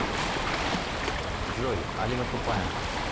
джой алина тупая